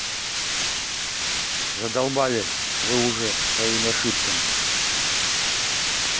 задолбали вы уже со своими ошибками